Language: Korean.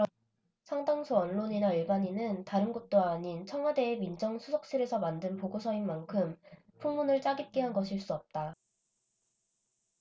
상당수 언론이나 일반인은다른 곳도 아닌 청와대의 민정수석실에서 만든 보고서인 만큼 풍문을 짜깁기한 것일 수 없다